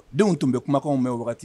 Denw tun bɛ kumakanw mɛn o wagati ye